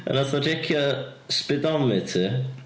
A wnaeth o tsiecio speedometer.